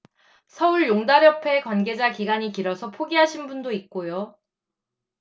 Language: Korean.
서울용달협회 관계자 기간이 길어서 포기하신 분도 있고요